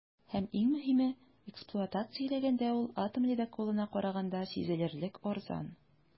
Һәм, иң мөһиме, эксплуатацияләгәндә ул атом ледоколына караганда сизелерлек арзан.